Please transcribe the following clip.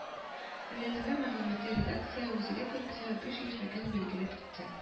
Райондагы мәгълүмати-редакция үзәге коллективы биш яшьлеген билгеләп үтте